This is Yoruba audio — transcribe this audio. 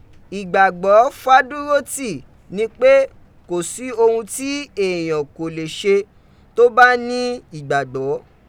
Igbagbọ Fádúrótì ni pe ko si ohun ti eeyan ko lee ṣe to ba ti ni igbagbọ.